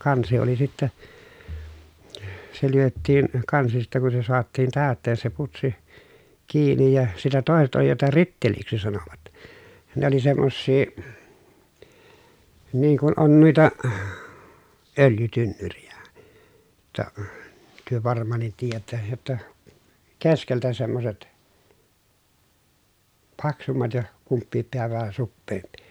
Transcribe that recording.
kansi oli sitten se lyötiin kansi sitten kun se saatiin täyteen se putsi kiinni ja sitten toiset oli jota ritteliksi sanoivat ne oli semmoisia niin kuin on noita öljytynnyreitä jotta te varmaankin tiedätte jotta - keskeltä semmoiset paksummat ja kumpikin pää vähän suppeampi